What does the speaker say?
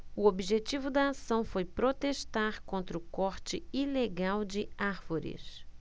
o objetivo da ação foi protestar contra o corte ilegal de árvores